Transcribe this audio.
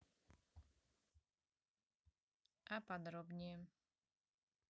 а подробнее